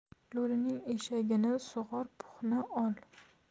lo'lining eshagini sug'or puhni ol